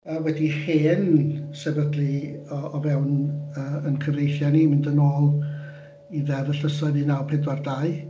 Yy wedi hen sefydlu o o fewn yy ein cyfreithiau ni, mynd yn ôl i Ddeddf y Llysoedd un naw pedwar dau.